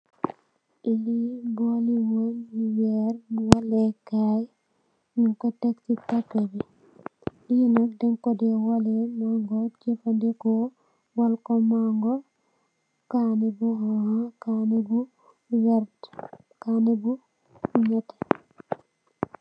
Li boli wer bu wale kai, nyunko tek ci kapet bi, li nak denjkode wale diko jafandiko, walko mango, kani bu khonkhu, kani bu verti, kani bu nete.